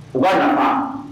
U bɛ na wa